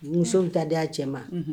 Muso bɛ taa di a cɛ ma.